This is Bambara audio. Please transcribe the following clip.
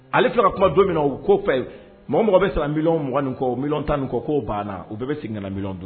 Ale sera kumajɔ min na u ko fɛ mɔgɔ mɔgɔ bɛ siran miugan kɔ mi tan nin kɔ k'o banna u bɛɛ bɛ sigi mi don